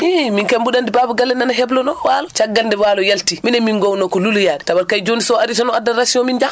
i miin kam mbiɗa anndi baaba galle nana heblanoo waalo caggal nde waalo yalti minen min ngoownoo ko luloyaade tawat kay jooni so o arii tan o addat ration min njaha